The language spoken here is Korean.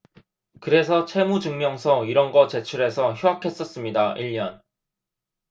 그래서 채무증명서 이런 거 제출해서 휴학했었습니다 일 년